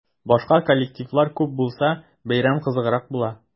Башка коллективлар күп булса, бәйрәм кызыграк була.